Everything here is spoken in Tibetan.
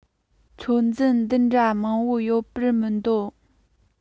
ཚོད འཛིན འདི འདྲ མང བོ ཡོད པར མི འདོད